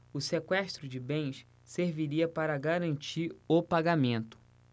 o sequestro de bens serviria para garantir o pagamento